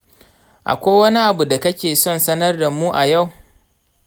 akwai wani abu da kake son sanar da mu a yau?